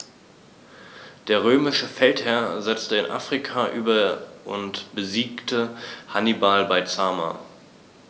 Der römische Feldherr setzte nach Afrika über und besiegte Hannibal bei Zama.